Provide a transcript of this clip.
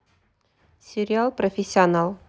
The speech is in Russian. сериал профессионал